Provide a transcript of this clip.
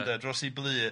...de dros ei blŷ... Ia